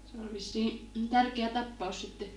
se oli vissiin tärkeä tapaus sitten